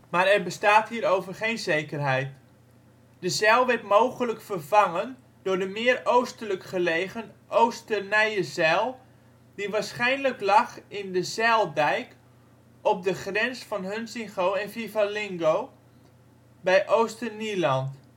Maar er bestaat hierover geen zekerheid. De zijl werd mogelijk vervangen door de meer oostelijk gelegen Oosternijezijl, die waarschijnlijk lag in de zijldijk op de grens van Hunsingo en Fivelingo, bij Oosternieland